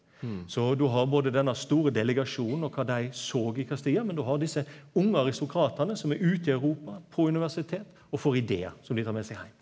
så du har både denne store delegasjonen og kva dei såg i Castilla, men du har desse unge aristokratane som er ute i Europa på universitet og får idear som dei tar med seg heim.